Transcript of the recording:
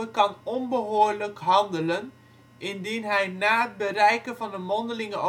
kan onbehoorlijk handelen indien hij na het bereiken van een mondelinge